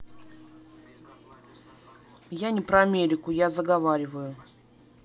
я не про америку я заговариваю